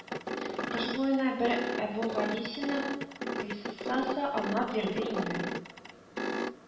Кыш буена бер Әбүгалисина кыйссасы аунап йөрде инде